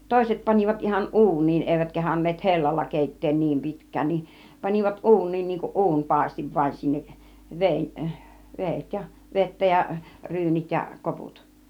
toiset panivat ihan uuniin eivät kehdanneet hellalla keittää niin pitkään niin panivat uuniin niin kuin uunipaistin vain sinne veden vedet vettä ja ryynit ja koput